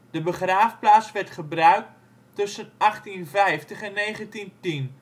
De begraafplaats werd gebruikt tussen 1850 en 1910. Een